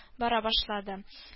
Бара башлады